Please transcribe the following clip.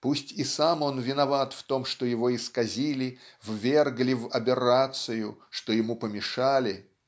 пусть и сам он виноват в том что его исказили ввергли в аберрацию что ему помешали